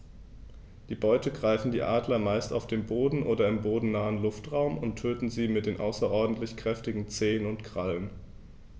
Die Beute greifen die Adler meist auf dem Boden oder im bodennahen Luftraum und töten sie mit den außerordentlich kräftigen Zehen und Krallen.